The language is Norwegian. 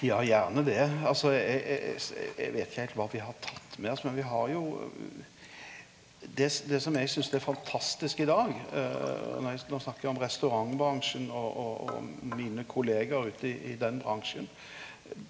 ja gjerne det altså eg veit ikkje heilt kva vi har tatt med oss, men vi har jo det det som eg synest er fantastisk i dag når eg nå snakkar eg om restaurantbransjen og og og mine kollegaer ute i i den bransjen.